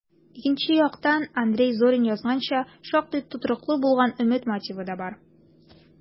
Икенче яктан, Андрей Зорин язганча, шактый тотрыклы булган өмет мотивы да бар: